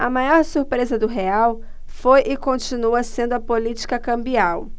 a maior surpresa do real foi e continua sendo a política cambial